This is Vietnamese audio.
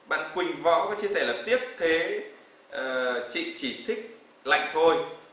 bạn quỳnh võ có chia sẻ là tiếc thế ờ chị chỉ thích lạnh thôi